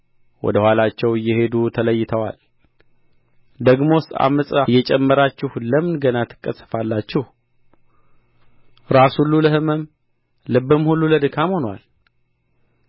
ወደ ኋላቸውም እየሄዱ ተለይተዋል ደግሞስ ዓመፃ እየጨመራችሁ ለምን ገና ትቀሰፋላችሁ ራስ ሁሉ ለሕመም ልብም ሁሉ ለድካም ሆኗል